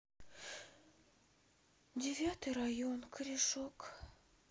девятый район корешок